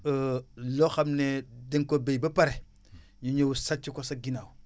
loo xam ne da nga ko béy ba pare ñu ñëw sàcc ko sa ginnaaw